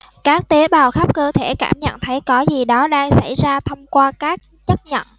các tế bào khắp cơ thể cảm nhận thấy có gì đó đang xảy ra thông qua các chất nhận